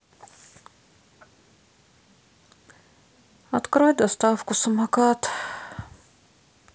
открой доставку самокат